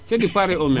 c' du pareil au même